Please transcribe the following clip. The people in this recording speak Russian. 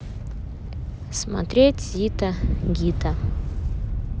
смотреть зита гита